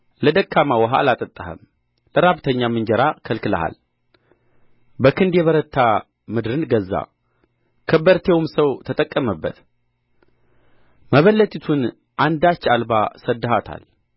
ለደካማ ውኃ አላጠጣህም ለራብተኛም እንጀራን ከልክለሃል በክንድ የበረታ ምድርን ገዛ ከበርቴውም ሰው ተቀመጠባት መበለቲቱን አንዳች አልባ ሰድደሃታል